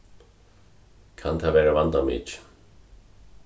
kann tað verða vandamikið